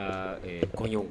Aa koy